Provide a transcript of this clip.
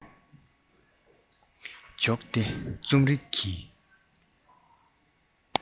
འཇོག སྟེ རྩོམ རིག གི